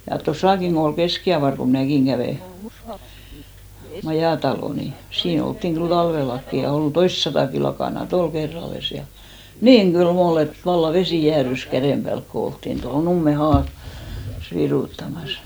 ja tuossakin kun oli kestikievari kun minäkin kävin majatalo niin siinä oltiin kyllä talvellakin ja oli toistasataakin lakanaa oli kerrallaan ja niin kylmä oli että vallan vesi jäätyi käden päälle kun oltiin tuohon Nummen - haassa viruttamassa